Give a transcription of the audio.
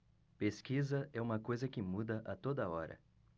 pesquisa é uma coisa que muda a toda hora